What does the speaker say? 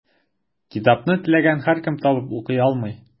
Китапны теләгән һәркем табып укый алмый.